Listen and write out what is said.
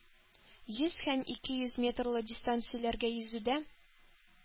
Йөз һәм ике йөз метрлы дистанцияләргә йөзүдә